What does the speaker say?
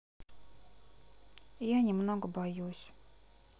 я немного боюсь